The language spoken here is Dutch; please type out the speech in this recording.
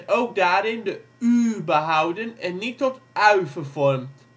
ook daarin de uu behouden en niet tot ui vervormd